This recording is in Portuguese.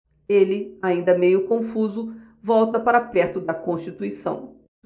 ele ainda meio confuso volta para perto de constituição